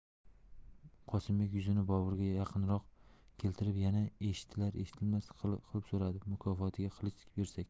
qosimbek yuzini boburga yaqinroq keltirib yana eshitilar eshitilmas qilib so'radi mukofotiga qilich bersak